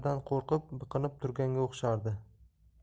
qo'rqib biqinib turganga o'xshardi